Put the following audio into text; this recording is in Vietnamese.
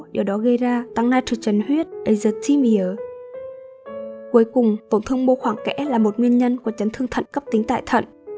điều đó gây ra tăng nitrogen huyết cuối cùng tổn thương mô khoảng kẽ là một nguyên nhân của chấn thương thận cấptính tại thận